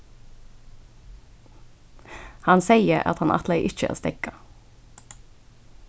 hann segði at hann ætlaði ikki at steðga